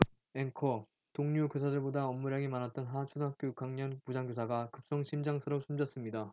앵커 동료 교사들보다 업무량이 많았던 한 초등학교 육 학년 부장교사가 급성심장사로 숨졌습니다